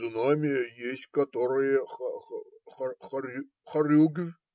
- Знамя есть, которое хорю. хоруг.